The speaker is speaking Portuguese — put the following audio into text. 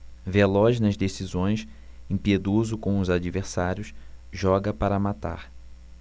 veloz nas decisões impiedoso com os adversários joga para matar